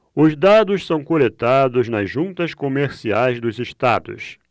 os dados são coletados nas juntas comerciais dos estados